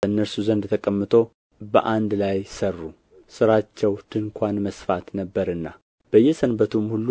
በእነርሱ ዘንድ ተቀምጦ በአንድ ላይ ሠሩ ሥራቸው ድንኳን መስፋት ነበረና በየሰንበቱም ሁሉ